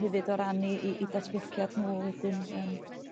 hefyd o ran 'i 'i ddatblygiad nhw wedyn yrm...